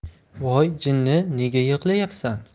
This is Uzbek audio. voy jinni nega yig'layapsan